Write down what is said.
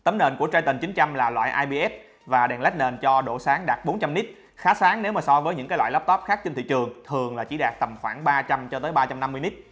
tấm nền của triton là ips và đèn led nền cho độ sáng đạt nits khá sáng nếu mà so với các loại laptop khác trên thị trường thường chỉ đạt tầm khoảng nits